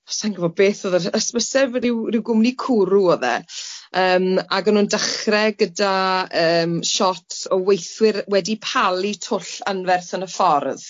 sai'n gwbo beth o'dd yr hysbyseb ryw ryw gwmni cwrw o'dd e yym ag o'n nw'n dychre gyda yym shot o weithwyr wedi palu twll anferth yn y ffordd.